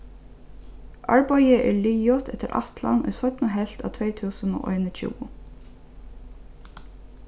arbeiðið er liðugt eftir ætlan í seinnu helvt av tvey túsund og einogtjúgu